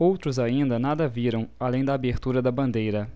outros ainda nada viram além da abertura da bandeira